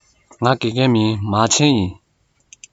ང དགེ རྒན མིན མ བྱན ཡིན